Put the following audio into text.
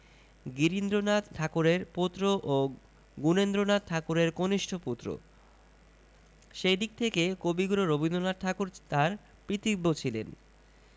গিরীন্দ্রনাথ ঠাকুরের পৌত্র ও গুণেন্দ্রনাথ ঠাকুরের কনিষ্ঠ পুত্র সে দিক থেকে কবিগুরু রবীন্দ্রনাথ ঠাকুর তার পিতৃব্য ছিলেন